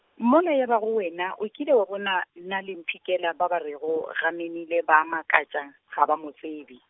mola ya bago wena o kile wa bona na le mpshikela ba ba rego ga memile, ba makatša, ga ba mo tsebe.